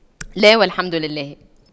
لا والحمد لله